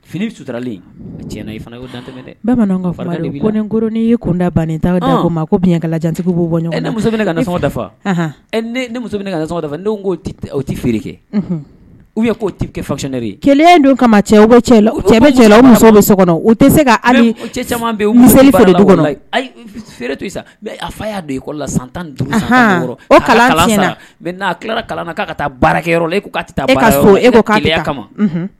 Finileni kunda ban koyan kala jantigiw bɔ musogɔ dafa tɛ feere kɛ u kɛ fanɛ ye kele don kama cɛ cɛ bɛ kɔnɔ u tɛ se ka cɛ caman kɔnɔ feere fa' don i san tan mɛ ka taa baarakɛyɔrɔ e kama